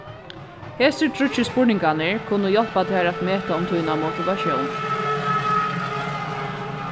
hesir tríggir spurningarnir kunnu hjálpa tær at meta um tína motivatión